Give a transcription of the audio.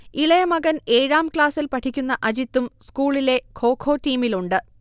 ഇളയമകൻ ഏഴാം ക്ലാസിൽ പഠിക്കുന്ന അജിത്തും സ്കൂളിലെ ഖോഖൊ ടീമിലുണ്ട്